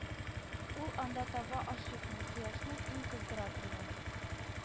Ул анда таба ашыкмый, кояшның иң кыздыра торган